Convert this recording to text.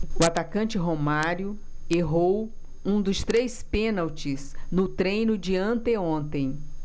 o atacante romário errou um dos três pênaltis no treino de anteontem